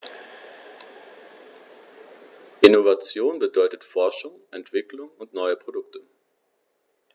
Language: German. Innovation bedeutet Forschung, Entwicklung und neue Produkte.